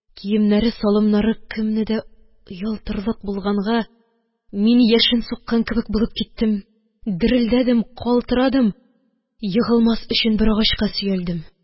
Киемнәре-салымнары кемне дә оялтырлык булганга, мин яшен суккан кебек булып киттем, дерелдәдем, калтырадым, егылмас өчен бер агачка сөялдем.